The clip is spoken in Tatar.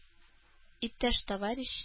Иптәш-товарищ